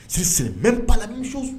Se siri n bɛ balala